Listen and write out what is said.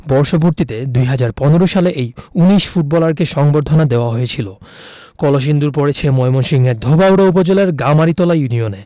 বর্ষপূর্তিতে ২০১৫ সালে এই ১৯ ফুটবলারকে সংবর্ধনা দেওয়া হয়েছিল কলসিন্দুর পড়েছে ময়মনসিংহের ধোবাউড়া উপজেলার গামারিতলা ইউনিয়নে